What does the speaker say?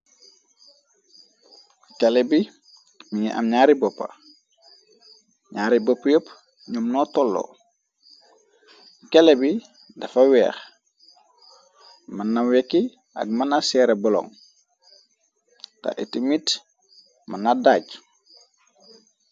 Kele bi mini am ñaari boppa ñaari bopp yepp ñum no tolloo kele bi dafa weex mën na wekki ak mëna seere bolon te iti mit mëna daaj.